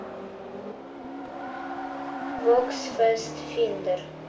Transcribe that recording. вокс фест финдер